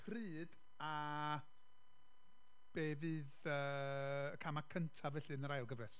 Pryd a be fydd yy, y camau cyntaf, felly, yn yr ail gyfres?